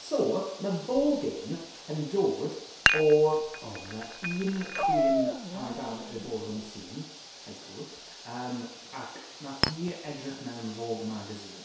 so ma Voguing yn dod o... o, ma' 'na un queen a oedd ar y ballroom scene... haiku yym ac, wnaeth hi edrych mewn Vogue magazine.